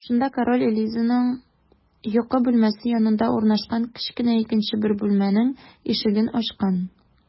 Шунда король Элизаның йокы бүлмәсе янында урнашкан кечкенә икенче бер бүлмәнең ишеген ачкан.